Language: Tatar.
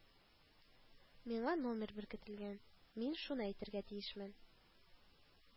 - миңа номер беркетелгән, мин шуны әйтергә тиешмен